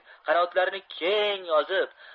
qanotlarini keng yozib